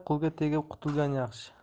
qulga tegib qutulgan yaxshi